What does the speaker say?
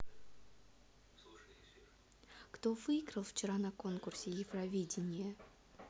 кто выиграл вчера на конкурсе евровидение